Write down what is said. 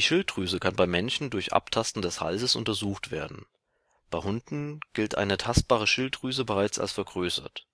Schilddrüse kann beim Menschen durch Abtasten des Halses untersucht werden. Bei Hunden gilt eine tastbare Schilddrüse bereits als vergrößert.